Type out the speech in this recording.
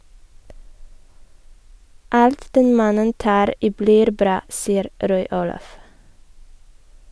Alt den mannen tar i blir bra, sier Roy-Olav.